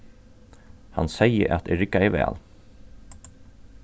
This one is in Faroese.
hann segði at eg riggaði væl